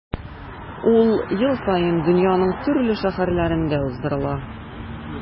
Ул ел саен дөньяның төрле шәһәрләрендә уздырыла.